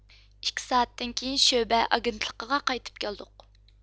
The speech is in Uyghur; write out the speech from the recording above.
ئىككى سائەتتىن كېيىن شۆبە ئاگېنتلىقىغا قايتىپ كەلدۇق